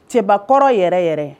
Cɛbakɔrɔ yɛrɛ yɛrɛ